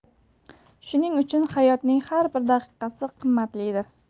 shuning uchun hayotning har bir daqiqasi qimmatlidir